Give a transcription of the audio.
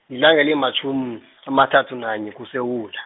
lilanga elimatjhum- amathathu nanye kuSewula.